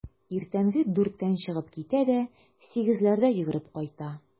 Иртәнге дүрттән чыгып китә дә сигезләрдә йөгереп кайта.